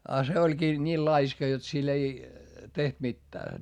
ja se olikin niin laiska jotta sillä ei tehty mitään